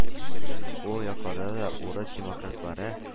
Ул якларда да урыс демократлары